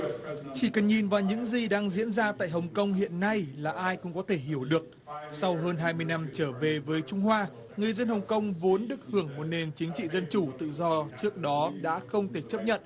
chỉ cần nhìn vào những gì đang diễn ra tại hồng công hiện nay là ai cũng có thể hiểu được sau hơn hai mươi năm trở về với trung hoa người dân hồng công vốn được hưởng một nền chính trị dân chủ tự do trước đó đã không thể chấp nhận